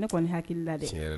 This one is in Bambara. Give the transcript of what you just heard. Ne kɔni hakilila de